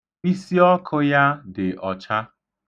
Isiọkụ ya dị ọcha.